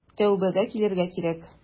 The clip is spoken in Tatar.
Тәүбәгә килергә кирәк.